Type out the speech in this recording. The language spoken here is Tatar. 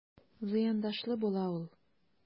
Зыяндашлы бала ул...